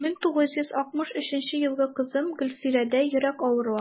1963 елгы кызым гөлфирәдә йөрәк авыруы.